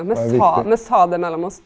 me sa me sa det mellom oss.